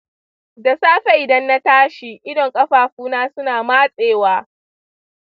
da safe idan na tashi, idon ƙafafuna suna matsewa